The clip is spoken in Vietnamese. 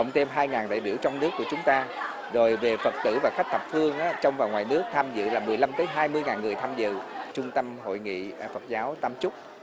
cộng thêm hai ngàn đại biểu trong nước của chúng ta rồi về phật tử và khách thập phương trong và ngoài nước tham dự là mười lăm tới hai mươi ngàn người tham dự trung tâm hội nghị phật giáo tam chúc